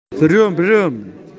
qorovulning uyqusi o'g'rining chirog'i